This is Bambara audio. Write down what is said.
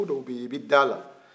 ko dɔ bɛ yen i bɛ d'a la